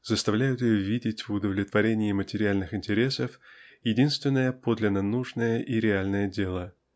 заставляет ее видеть в удовлетворении материальных интересов единственное подлинно нужное и реальное дело